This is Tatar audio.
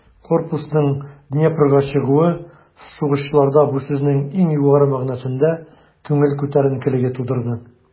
Корпусның Днепрга чыгуы сугышчыларда бу сүзнең иң югары мәгънәсендә күңел күтәренкелеге тудырды.